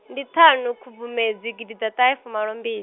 ndi ṱhanu Khubvumedzi gididatahefumalombi-